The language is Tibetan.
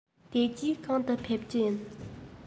དེ རྗེས གང དུ ཕེབས རྒྱུ ཡིན